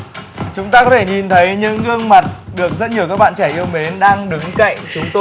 chúng ta có thể nhìn thấy những gương mặt được rất nhiều các bạn trẻ yêu mến đang đứng cạnh chúng tôi